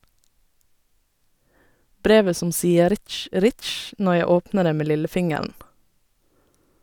Brevet som sier ritsj, ritsj når jeg åpner det med lillefingeren?